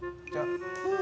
cho à